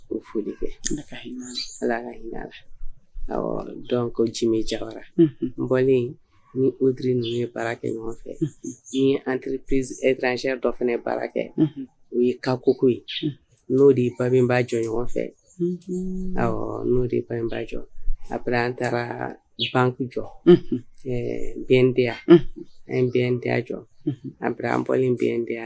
Ja nlen ni ori nin ye baara kɛ ɲɔgɔn fɛ ni ansanzya dɔ fana baara kɛ o ye kabakoko ye n' oo de bab' jɔ ɲɔgɔn fɛ ɔ n'o de ba' jɔ a an taara bangeku jɔ bɛn tɛ yan bɛn tɛ jɔ a an bɔ in bɛ tɛ yan